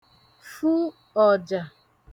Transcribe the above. fụ ọ̀jà